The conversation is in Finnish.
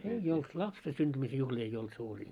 ei ollut lapsen syntymisen juhlia ei ollut suuria